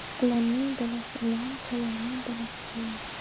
ilonning bolasi ilon chayonning bolasi chayon